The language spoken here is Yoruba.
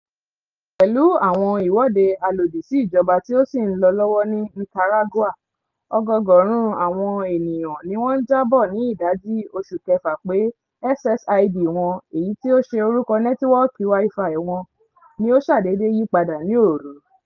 Pẹ̀lú àwọn ìwọ́de alòdì sí ìjọba tí ó sì ń lọ lọ́wọ́ ní Nicaragua, ọgọgọ́rùn-ún àwọn ènìyàn ni wọ́n jábọ̀ ni ìdajì oṣù Kẹfà pé SSID wọn (èyí tí í ṣe orúkọ nẹ́tíwọ́ọ̀kì WI-FI wọn) ni ó ṣàdédé yí padà ní òru